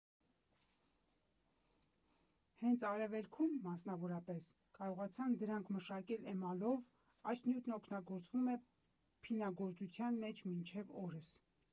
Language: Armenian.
Հենց Արևելքում, մասնավորապես, կարողացան դրանք մշակել էմալով՝ այս նյութն օգտագործվում է փինագործության մեջ մինչ օրս։